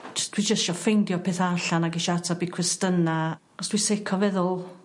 Js- dwi jy sio ffeindio petha allan ag isio atab i cwestyna 'os dwi sic o feddwl